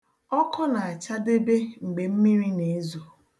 Ọkụ na-achadebe mgbe mmiri na-ezo.